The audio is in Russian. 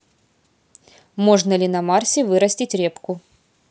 можно ли на марсе вырастить репку